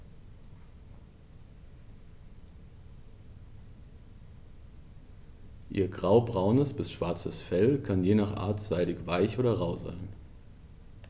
Ihr graubraunes bis schwarzes Fell kann je nach Art seidig-weich oder rau sein.